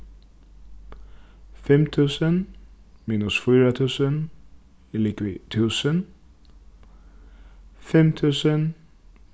fimm túsund minus fýra túsund er ligvið túsund fimm túsund